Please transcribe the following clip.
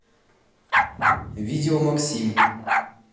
видео максим